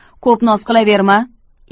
ko'p noz qilaverma